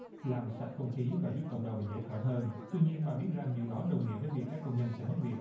làm sạch không khí và giúp cộng đồng dễ thở hơn tuy nhiên bà biết rằng điều đó đồng nghĩa với việc các công nhân sẽ mất việc